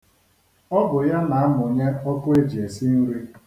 Ọ bụ ya na-amụnye ọkụ e ji esi nri.